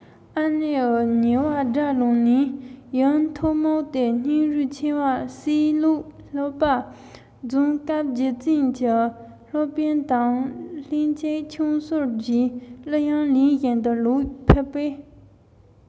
ཨ ནེའི ཉེ བ དགྲར ལངས ནས ཡུམ ཐུགས མུག སྟེ སྙིང རུས ཆེ བའི སྲས ཀློག སློབ པར བརྫངས སྐབས རྗེ བཙུན གྱིས སློབ དཔོན དང ལྷན ཅིག ཆང གསོལ རྗེས གླུ དབྱངས ལེན བཞིན དུ ལོག ཕེབས པས